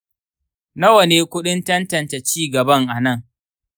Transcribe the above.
nawa ne kuɗin tantance ci gaban a nan?